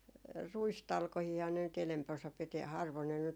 ruistalkoitahan ne nyt enempi osa piti harvoin ne nyt